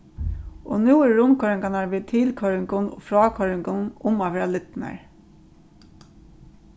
og nú eru rundkoyringarnar við tilkoyringum og frákoyringum um at vera lidnar